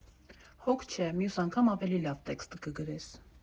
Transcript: Հոգ չէ, մյուս անգամ ավելի լավ տեքստ կգրես։